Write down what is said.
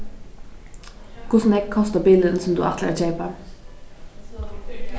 hvussu nógv kostar bilurin sum tú ætlar at keypa